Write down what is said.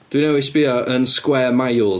Dwi newydd sbio yn square miles.